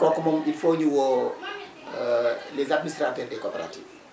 kooku moom il faut ñu woo les administrateurs des coopératives